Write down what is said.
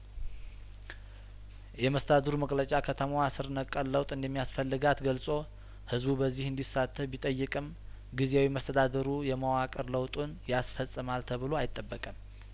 የመስተዳድሩ መግለጫ ከተማዋ ስር ነቀል ለውጥ እንደሚያስፈልጋት ገልጾ ህዝቡ በዚህ እንዲ ሳተፍ ቢጠይቅም ጊዜያዊ መስተዳድሩ የመዋቅር ለውጡን ያስፈጽማል ተብሎ አይጠበቅም